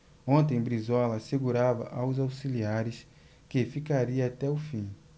ontem brizola assegurava aos auxiliares que ficaria até o fim